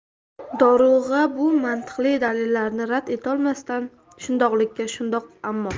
dorug'a bu mantiqli dalillarni rad etolmasdan shundoqlikka shundoq ammo